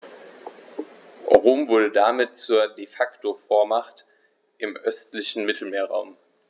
Rom wurde damit zur ‚De-Facto-Vormacht‘ im östlichen Mittelmeerraum.